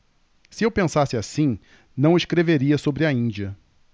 se eu pensasse assim não escreveria sobre a índia